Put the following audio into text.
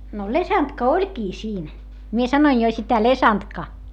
no lesantka olikin siinä minä sanoin jo sitä lesantka